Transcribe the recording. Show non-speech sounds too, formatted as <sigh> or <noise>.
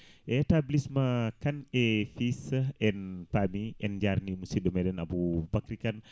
<breath> e établissement Kane et fils en paami en jarnima musidɗo meɗen Aboubacry Kane